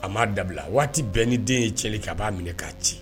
A ma dabila waati bɛɛ ni den ye tiɲɛli kɛ a b'a minɛ k'a ci.